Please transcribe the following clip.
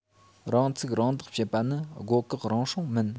རང ཚུགས རང བདག བྱེད པ ནི སྒོ བཀག རང སྲུང མིན